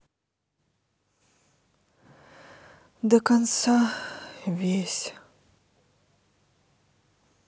до конца весь